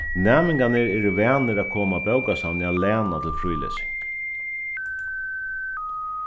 næmingarnir eru vanir at koma á bókasavnið at læna til frílesing